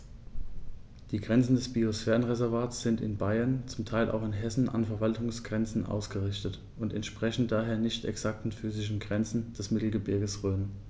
Die Grenzen des Biosphärenreservates sind in Bayern, zum Teil auch in Hessen, an Verwaltungsgrenzen ausgerichtet und entsprechen daher nicht exakten physischen Grenzen des Mittelgebirges Rhön.